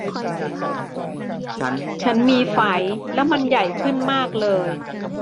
ฉันมีไฝแล้วมันใหญ่ขึ้นมากเลย